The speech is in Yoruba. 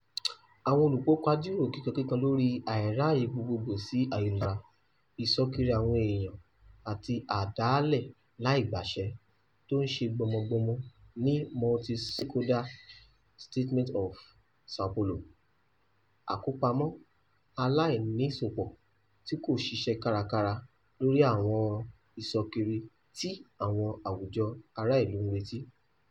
Àwọn olùkópa jíròrò kíkankíkan lórí ìráàyè gbogboogbò sí ayélujára, ìṣọ́kiri àwọn èèyàn àti àdáálẹ̀ "láìgbàṣẹ", tí ó ń ṣe gbọnmọgbọnmọ ní Multi stakeholder Statement of Sao Paulo, àkọpamọ́ aláìnísopọ̀ tí kò ṣiṣẹ́ kárakára lórí àwọn ọ̀ràn ìṣọ́kiri tí àwọn àwùjọ ará-ìlú ń retí.